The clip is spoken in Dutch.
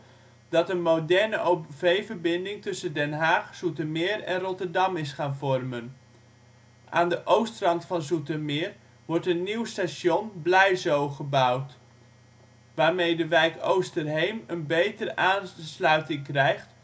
dat een moderne OV-verbinding tussen Den Haag, Zoetermeer en Rotterdam is gaan vormen. Aan de oostrand van Zoetermeer wordt een nieuw station BleiZo gebouwd, waarmee de wijk Oosterheem een betere aansluiting krijgt